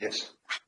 Yes.